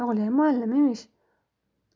o'g'liyam muallim emish